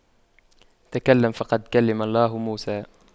تكلم فقد كلم الله موسى